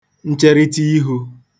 ncherịta ihū